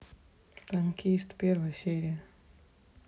танкист первая серия